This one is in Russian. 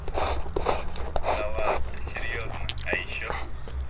да ладно серьезно а еще